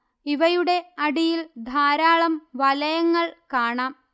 ഇവയുടെ അടിയിൽ ധാരാളം വലയങ്ങൾ കാണാം